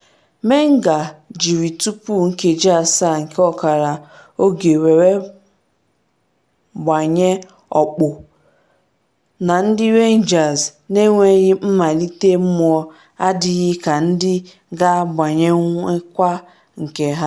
Menga jiri tupu nkeji asaa nke ọkara oge were gbanye ọkpụ, na ndị Rangers n’enweghị mkpalite mmụọ adịghị ka ndị ga-agbanyekwa nke ha.